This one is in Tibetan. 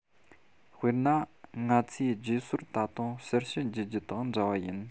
དཔེར ན ང ཚོས རྗེས སོར ད དུང གསལ བཤད བགྱི རྒྱུ དང འདྲ བ ཡིན